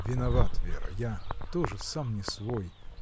— Виноват, Вера, я тоже сам не свой!